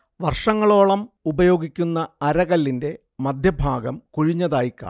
വർഷങ്ങളോളം ഉപയോഗിക്കുന്ന അരകല്ലിന്റെ മധ്യഭാഗം കുഴിഞ്ഞതായി കാണാം